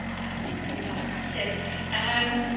Oo y million dollar question, yym.